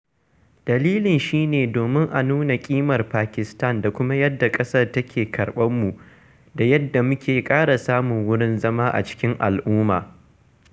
Dalilin shi ne domin a nuna ƙimar Pakistan da kuma yadda ƙasar take karɓarmu da yadda muke ƙara samun wurin zama a cikin al'umma.